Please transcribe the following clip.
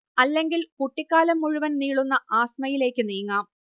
അല്ലെങ്കിൽ കുട്ടിക്കാലം മുഴുവൻ നീളുന്ന ആസ്മയിലേക്ക് നീങ്ങാം